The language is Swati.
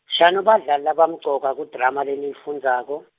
shano badlali labamcoka kudrama leniyifundzako.